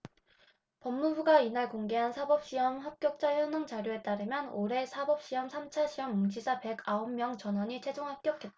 법무부가 이날 공개한 사법시험 합격자 현황 자료에 따르면 올해 사법시험 삼 차 시험 응시자 백 아홉 명 전원이 최종 합격했다